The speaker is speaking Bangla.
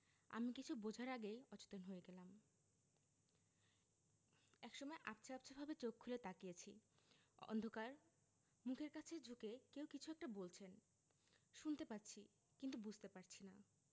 আমি কিছু বোঝার আগে অচেতন হয়ে গেলাম একসময় আবছা আবছাভাবে চোখ খুলে তাকিয়েছি অন্ধকার মুখের কাছে ঝুঁকে কেউ কিছু একটা বলছেন শুনতে পাচ্ছি কিন্তু বুঝতে পারছি না